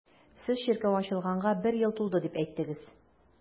Сез чиркәү ачылганга бер ел тулды дип әйттегез.